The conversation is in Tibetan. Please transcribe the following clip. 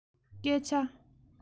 སྐད ཆ